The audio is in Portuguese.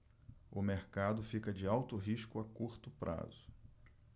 o mercado fica de alto risco a curto prazo